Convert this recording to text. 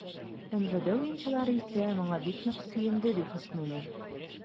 МВД уенчылары исә, моңа бик нык сөенде, ди Хөснуллин.